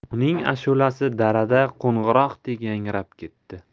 uning ashulasi darada qo'ng'iroqdek yangrab ketdi